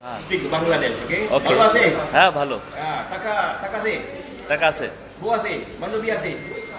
speak Bangladesh okay okay ভালো আছেন হ্যা ভালো টাকা টাকা আছে হ্যাঁ টাকা আছে বউ আছে বান্ধবী আছে